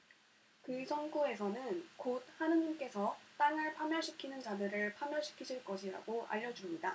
그 성구에서는 곧 하느님께서 땅을 파멸시키는 자들을 파멸시키실 것이라고 알려 줍니다